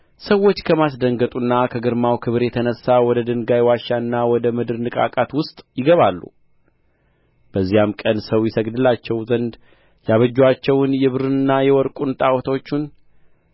ሰዎች ከማስደንገጡና ከግርማው ክብሩ የተነሣ ወደ ድንጋይ ዋሻና ወደ ምድር ንቃቃት ውስጥ ይገባሉ በዚያን ቀን ሰው ይሰግድላቸው ዘንድ ያበጁአቸውን የብሩንና የወርቁን ጣዖቶቹን